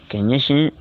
Tiɲɛ ɲɛ su